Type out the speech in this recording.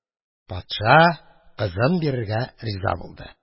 Патша кызын бирергә риза булды.